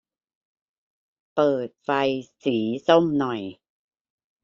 เปิดไฟสีส้มหน่อย